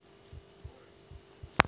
я сказал мультики про йети